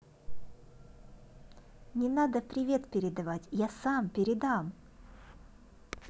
не надо привет передавать я сам передам